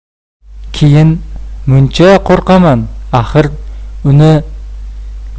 keyin muncha qurqaman axir